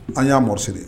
An y'amosiri ye